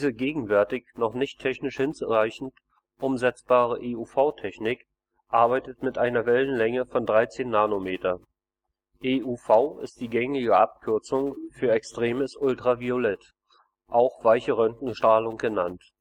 gegenwärtig noch nicht technisch hinreichend umsetzbare EUV-Technik arbeitet mit einer Wellenlänge von 13 nm. EUV ist die gängige Abkürzung für „ extremes Ultraviolett “, auch „ weiche “Röntgenstrahlung genannt